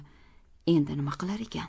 endi nima qilar ekan